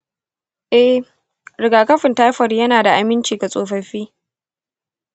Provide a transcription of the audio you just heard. eh, rigakafin taifod yana da aminci ga tsofaffi.